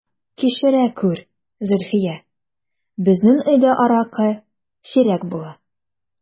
Кичерә күр, Зөлфия, безнең өйдә аракы сирәк була...